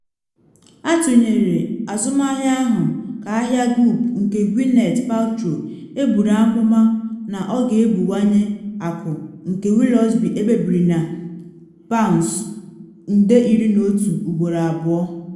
Atụnyere azụmahịa ahụ ka ahịa Goop nke Gwyneth Paltrow, eburu amụma na ọ ga-ebuwanye akụ nke Willoughby ekpebiri na £11 million ugboro abụọ.